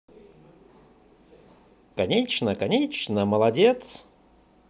конечно конечно молодец